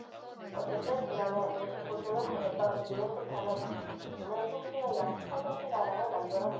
어쨌든 지난해 오십 구 승를 거뒀던 미네소타는 벌써 지난해 승수의 약 십 퍼센트가량을 만들어냈다